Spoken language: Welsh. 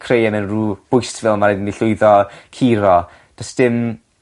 creu e mewn rw bwystfil ma' raid i ni llwyddo curo. Do's dim...